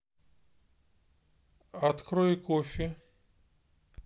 открой кофе